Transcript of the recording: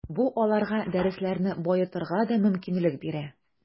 Бу аларга дәресләрне баетырга да мөмкинлек бирә.